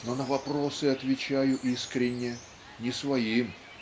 но на вопросы отвечаю искренне не своим